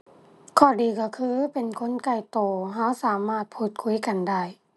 ข้อดีก็คือเป็นคนใกล้ก็ ก็สามารถพูดคุยกันได้